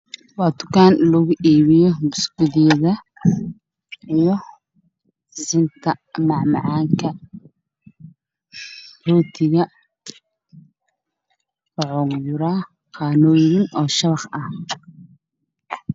Waa dukaan lagu iibiyo buskud iyo macmacaan ka rootiga